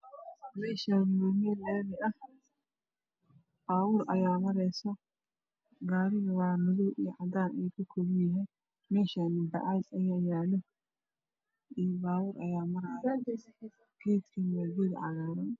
Meeshaani waa meel laami ah baabur Aya marayo madow iyo cadaan ayuu ka kooban yahay meeshana ayaa ayaalo baabur ayaa marayo geedkana waa cagaar